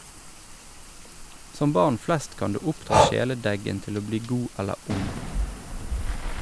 Som barn flest, kan du oppdra kjæledeggen til å bli god eller ond.